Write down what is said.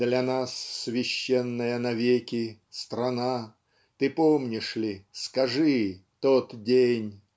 Для нас священная навеки Страна ты помнишь ли скажи Тот день